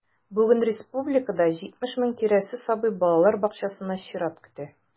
Бүген республикада 70 мең тирәсе сабый балалар бакчасына чират көтә.